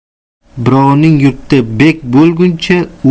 birovning yurtida bek bo'lguncha